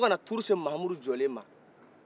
fo kana tour se mahamudu jɔlen ma